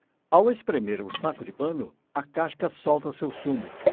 ao espremer o saco de pano a casca solta seu sumo